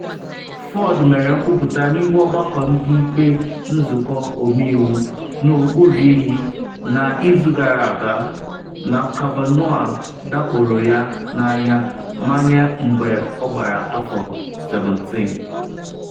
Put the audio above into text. Ford mere nkwuputa n’ihu Ọgbakọ Ndị Ikpe Nzụkọ Ọmeiwu n’okpuru iyi n’izu gara aga na Kavanaugh dakporo ya n’anya mmanya mgbe ọ gbara afọ 17.